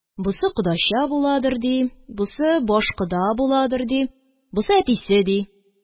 – бусы кодача буладыр, ди, бусы баш кода буладыр, ди, бусы әтисе, ди,